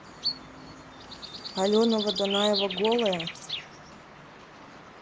алена водонаева голая